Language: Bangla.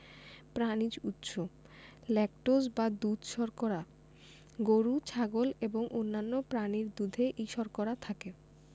প্রানিজ উৎস ল্যাকটোজ বা দুধ শর্করা গরু ছাগল এবং অন্যান্য প্রাণীর দুধে এই শর্করা থাকে